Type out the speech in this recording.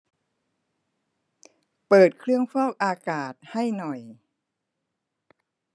เปิดเครื่องฟอกอากาศให้หน่อย